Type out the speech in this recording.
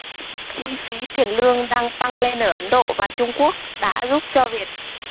chi phí tiền lương đang tăng lên ở ấn độ và trung quốc đã giúp cho việt